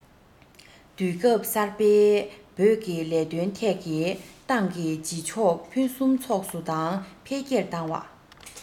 དུས སྐབས གསར པའི བོད ཀྱི ལས དོན ཐད ཀྱི ཏང གི བྱེད ཕྱོགས ཕུན སུམ ཚོགས སུ དང འཕེལ རྒྱས བཏང བ